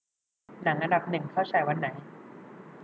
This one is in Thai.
หนังอันดับหนึ่งเข้าฉายวันไหน